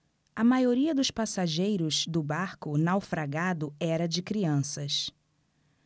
a maioria dos passageiros do barco naufragado era de crianças